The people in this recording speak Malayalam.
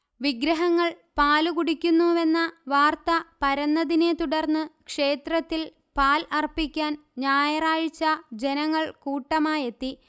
വിഗ്രഹങ്ങൾ പാലു കുടിക്കുന്നുവെന്ന വാർത്ത പരന്നതിനെ തുടർന്ന്ക്ഷേത്രത്തിൽ പാൽ അർപ്പിക്കാൻ ഞായറാഴ്ച ജനങ്ങൾ കൂട്ടമായെത്തി